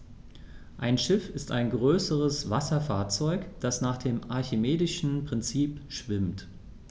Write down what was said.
Ein Schiff ist ein größeres Wasserfahrzeug, das nach dem archimedischen Prinzip schwimmt.